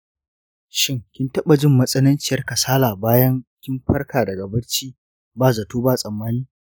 shin kin taɓa jin matsananciyar kasala bayan kin farka daga barci ba zato ba tsammani?